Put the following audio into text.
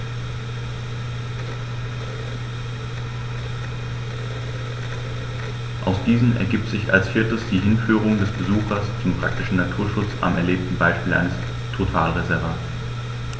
Aus diesen ergibt sich als viertes die Hinführung des Besuchers zum praktischen Naturschutz am erlebten Beispiel eines Totalreservats.